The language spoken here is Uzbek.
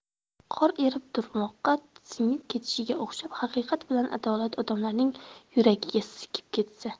qor erib tuproqqa singib ketishiga o'xshab haqiqat bilan adolat odamlarning yuragiga singib ketsa